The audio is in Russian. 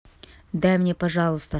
дай мне пожалуйста